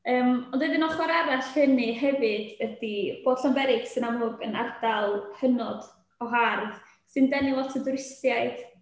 Yym, ond wedyn ochr arall hynny hefyd ydy bod Llanberis, yn amlwg, yn ardal hynod o hardd sy'n denu lot o dwristiaid.